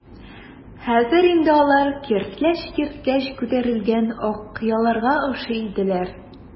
Хәзер инде алар киртләч-киртләч күтәрелгән ак кыяларга охшый иделәр.